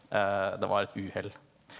det var et uhell.